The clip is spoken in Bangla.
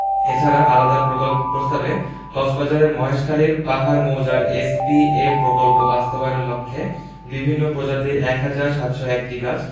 এছাড়া আলাদা প্রস্তাবে কক্সবাজারের মহেশখালীর পাহাড় মৌজার এসপিএম প্রকল্প বাস্তবায়নের লক্ষ্যে বিভিন্ন প্রজাতির ১ হাজার ৭০১টি গাছ